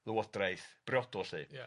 lywodraeth briodol 'lly. Ia.